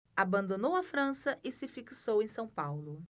abandonou a frança e se fixou em são paulo